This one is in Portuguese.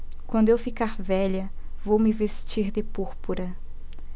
quando eu ficar velha vou me vestir de púrpura